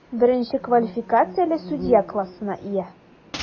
Беренче квалификацияле судья классына ия.